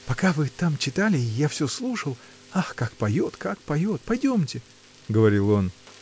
— Пока вы там читали — я всё слушал: ах, как поет, как поет — пойдемте! — говорил он.